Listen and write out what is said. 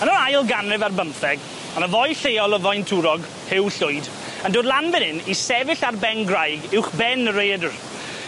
Yn yr ail ganrif ar bymtheg, o' 'na foi lleol o Faentwrog, Huw Llwyd yn dod lan fan 'yn i sefyll ar ben graig uwchben y raeadr